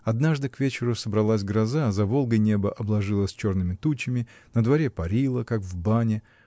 Однажды к вечеру собралась гроза, за Волгой небо обложилось черными тучами, на дворе парило, как в бане